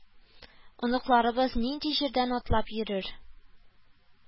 Оныкларыбыз нинди җирдән атлап йөрер